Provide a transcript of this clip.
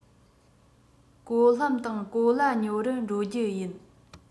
གོ ལྷམ དང གོ ལྭ ཉོ རུ འགྲོ རྒྱུ ཡིན